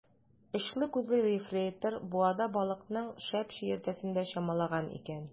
Очлы күзле ефрейтор буада балыкның шәп чиертәсен дә чамалаган икән.